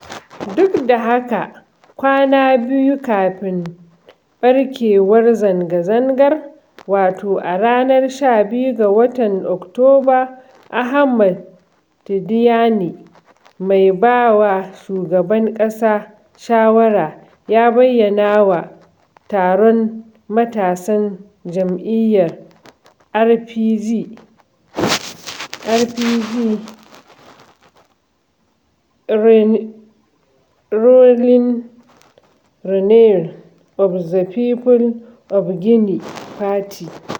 Duk da haka, kwana biyu kafin ɓarkewar zanga-zangar wato a ranar 12 ga watan Oktoba, Ahmed Tidiane, mai ba wa shugaban ƙasa shawara, ya bayyanawa taron matasan jam'iyyar RPG [ruling Reunion of the People of Guinea party]: